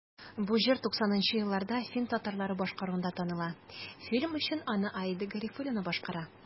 Бу җыр 90 нчы елларда фин татарлары башкаруында таныла, фильм өчен аны Аида Гарифуллина башкара.